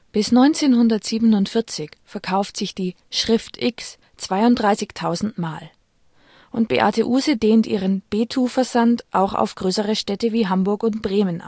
Bis 1947 verkauft sich die " Schrift X " 32'000 Mal und Beate Uhse dehnt ihren " Betu-Versand " auch auf größere Städte wie Hamburg und Bremen